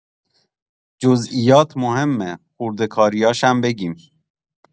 جزئیات مهمه خورده کاریاشم بگیم